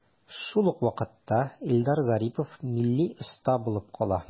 Шул ук вакытта Илдар Зарипов милли оста булып кала.